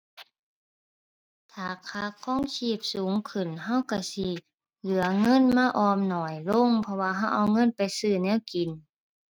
ถ้าค่าของชีพสูงขึ้น เราเราสิเหลือเงินมาออมน้อยลง เพราะว่าเราเอาเงินไปซื้อแนวกิน